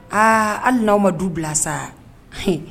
Aa hali n aw ma du bila sa h